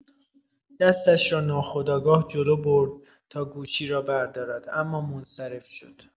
دستش را ناخودآگاه جلو برد تا گوشی را بردارد، اما منصرف شد.